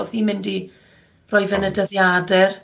O'dd hi'n mynd i roi fe yn y dyddiadur.